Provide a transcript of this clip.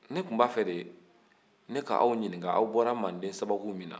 ne tun b'a fɛ de ne k'aw ɲininka aw bɔra manden sababu min na